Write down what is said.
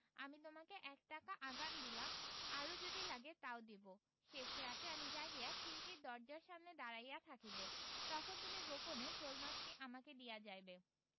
আমি তোমাকে এক টাকা আগাম দিলাম আরও যদি লাগে তাও দিব শেষ রাতে আমি জাগিয়া খিড়কির দরজার সামনে দাঁড়াইয়া থাকিব তখন তুমি গোপনে শোলমাছটি আমাকে দিয়া যাইবে